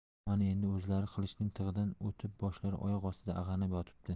mana endi o'zlari qilichning tig'idan o'tib boshlari oyoq ostida ag'anab yotibdi